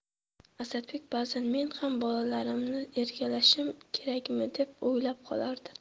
asadbek ba'zan men ham bolalarimni erkalashim kerakmi deb o'ylab qolardi